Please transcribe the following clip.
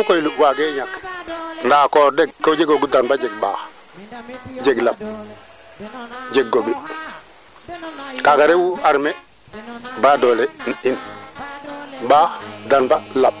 mayu ga'a mban anda mban i mban neene a fax anga waxtu fad anga o paal mba o qawlo xe ten taatano gu a mba ngaw maak a gara